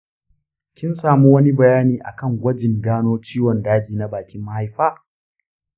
kin samu wani bayani akan gwajin gano ciwon daji na bakin mahaifa?